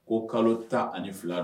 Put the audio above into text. O kalo ta ani fila